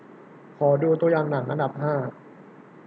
ขอดูตัวอย่างหนังอันดับห้า